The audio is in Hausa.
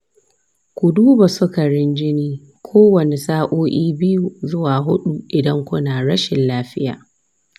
ku duba sukarin jini kowane sa’o’i biyu zuwa huɗu idan kuna rashin lafiya.